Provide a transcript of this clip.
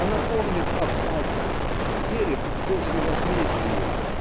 Она помнит об аде, верит в Божье возмездие.